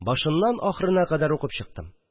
Башыннан ахырына кадәр укып чыктым